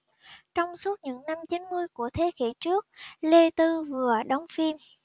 trong suốt những năm chín mươi của thế kỷ trước lê tư vừa đóng phim